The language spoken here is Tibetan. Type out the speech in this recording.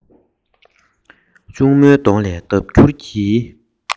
གཅུང མོའི གདོང ལས ལྡབ འགྱུར གྱིས